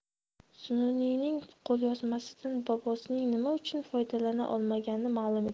zunnuniyning qo'lyozmasidan bobosining nima uchun foydalana olmagani ma'lum edi